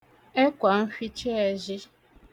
ẹkwànfhicheẹ̄zhī